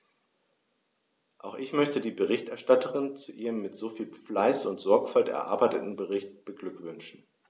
Auch ich möchte die Berichterstatterin zu ihrem mit so viel Fleiß und Sorgfalt erarbeiteten Bericht beglückwünschen.